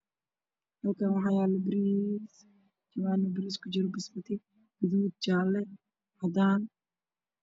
Waxaa yaalla jawaano ay bariis ku jiraan midabkoodu yahay jaalo badan yihiin